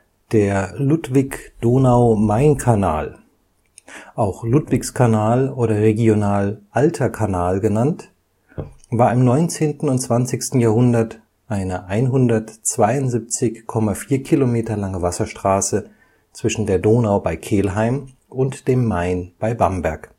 Der Ludwig-Donau-Main-Kanal (auch Ludwigskanal oder regional „ Alter Kanal “genannt) war im 19. und 20. Jahrhundert eine 172,4 km lange Wasserstraße zwischen der Donau bei Kelheim und dem Main bei Bamberg